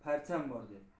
to'nim ketsa parcham bor